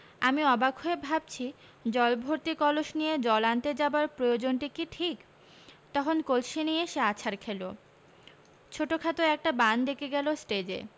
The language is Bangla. আমি অবাক হয়ে ভাবছি জল ভর্তি কলস নিয়ে জল আনতে যাবার প্রয়োজনটি কি ঠিক তখন কলসি নিয়ে সে আছাড় খেলো ছোটখাট একটা বান ডেকে গেল টেজে